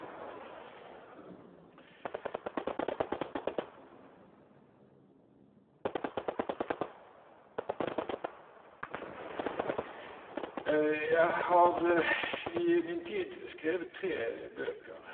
Jeg har i min tid skrevet tre bøker.